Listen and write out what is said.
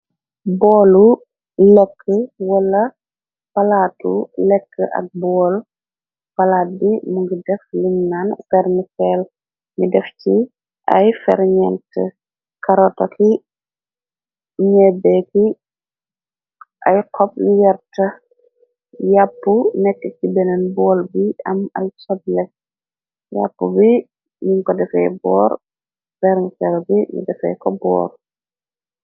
Boolu lekk wala palaatu lekk ak bool palaat bi mu ngi def lin naan vermiceel mi def ci ay fernelt karota ki ñeeddee gi ay xop liyert yàpp nekk ci benen bool bi am al sod lekk yapp bi miñ ko defee boor vermiceel bi ni defee ko boor.